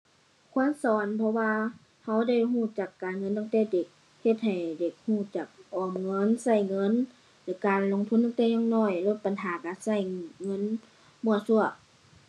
ควรสอนเพราะว่าเราได้เราจักการเงินตั้งแต่เด็ก เฮ็ดให้เด็กเราจักออมเงิน เราเงิน และการลงทุนตั้งแต่ยังน้อย ลดปัญหาการเราเงินมั่วซั่ว